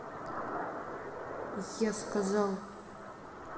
я сказал